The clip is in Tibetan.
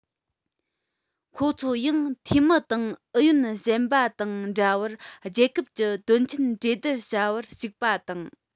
ཁོང ཚོ ཡང འཐུས མི དང ཨུ ཡོན གཞན དང འདྲ བར རྒྱལ ཁབ ཀྱི དོན ཆེན གྲོས བསྡུར བྱ བར ཞུགས པ དང